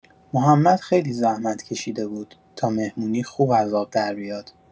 محمد خیلی زحمت‌کشیده بود تا مهمونی خوب از آب دربیاد.